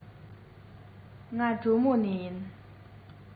ང གྲོ མོ ནས ཡིན